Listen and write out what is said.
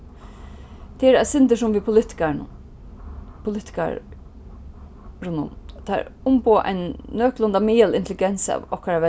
tað er eitt sindur sum við politikarunum politikarunum teir umboða ein nøkulunda miðal intelligens av okkara